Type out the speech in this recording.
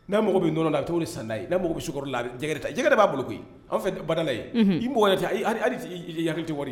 Na mago min nɔnɔ la a bɛ to ni san' ye mako bɛ si la ta jɛgɛ de b'a boloko an fɛ badala ye yakiti wari